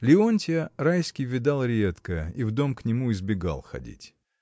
Леонтья Райский видал редко и в дом к нему избегал ходить.